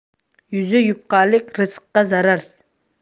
yuzi yupqalik rizqqa zarar